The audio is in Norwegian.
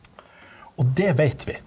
og det veit vi.